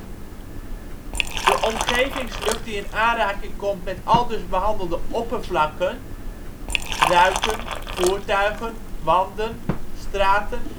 De omgevingslucht die in aanraking komt met aldus behandelde oppervlakken (ruiten, voertuigen, wanden, straten